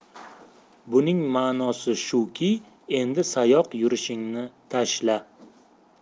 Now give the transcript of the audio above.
buning ma'nosi shuki endi sayoq yurishingni tashla